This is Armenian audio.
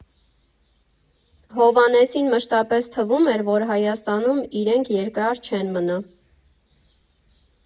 Հովհաննեսին մշտապես թվում էր, որ Հայաստանում իրենք երկար չեն մնա.